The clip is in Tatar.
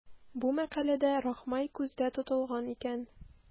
Бу мәкаләдә Рахмай күздә тотылган икән.